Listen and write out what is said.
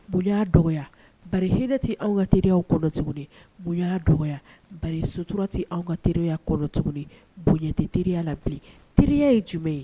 Bonyaya dɔgɔ ba hinɛti anw ka teriya kɔnɔ tuguni bonyaya dɔgɔ ba sutura tɛ' ka teriya kɔnɔ tuguni bonya tɛ teriya la bi teriya ye jumɛn ye